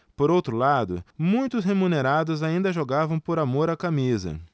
por outro lado muitos remunerados ainda jogavam por amor à camisa